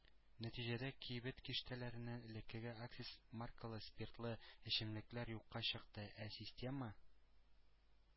Нәтиҗәдә кибет киштәләреннән элеккеге акциз маркалы спиртлы эчемлекләр юкка чыкты, ә система